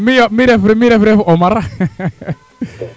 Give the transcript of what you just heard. me ref ref Omar